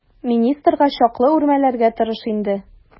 Министрга чаклы үрмәләргә тырыш инде.